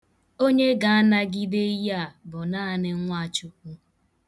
Onye ga-anagịde ihe a bụ naanị nwa Chukwu.